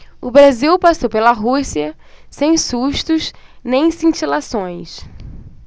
o brasil passou pela rússia sem sustos nem cintilações